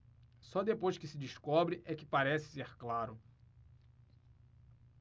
só depois que se descobre é que parece ser claro